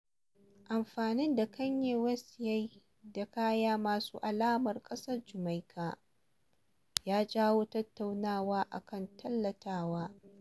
Amfani da Kanye West ya yi da kaya masu alamun ƙasar Jamaika ya janyo tattaunawa a kan "tallatawa".